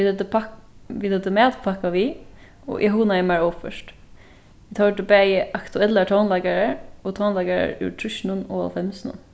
vit høvdu vit høvdu matpakka við og eg hugnaði mær óført vit hoyrdu bæði aktuellar tónleikarar og tónleikarar úr trýssunum og hálvfemsunum